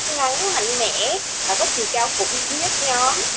ngắn mạnh mẽ và có chiều cao khủng nhất nhóm